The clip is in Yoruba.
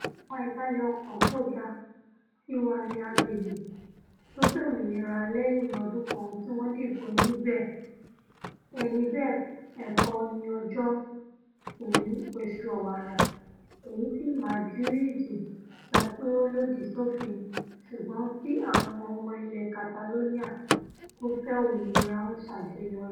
Àwọn àìbalẹ̀-ọkàn tóga sì wà ní agbègbè̀̀ tó fẹ́ òmìnira lẹ́yìn ọdún kan tíwọn dìbò oníbẹ́ẹ̀ni-bẹ́ẹ̀kọ́ ní ọjọ́ Kìn-ín-ní oṣù Ọ̀wàrà èyití Madrid sọ pé ó lòdì sófin ṣùgbọ́n tí àwọn ọmọ ilẹ̀ Catalonia tó fẹ òmìnira ń ṣàjọyọ̀ rẹ̀